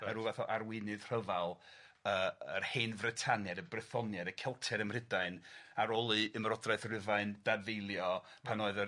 Reit. ryw fath o arweinydd rhyfal yy yr Hen Fritaniaid, y Brythoniaid, y Celtiaid ym Mhrydain ar ôl i Ymerodraeth Rufain dadfeilio pan oedd yr